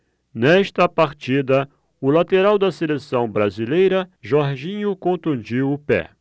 nesta partida o lateral da seleção brasileira jorginho contundiu o pé